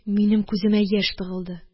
Минем күземә яшь тыгылды